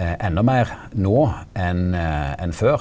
ennå meir nå enn enn før.